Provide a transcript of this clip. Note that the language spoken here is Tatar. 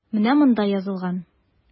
Менә монда язылган.